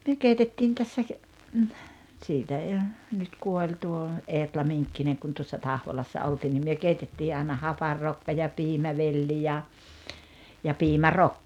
me keitettiin tässä siitä ei ole nyt kuoli tuo Eetla Minkkinen kun tuossa Tahvolassa oltiin niin me keitettiin aina hapanrokkaa ja piimävelli ja ja piimärokka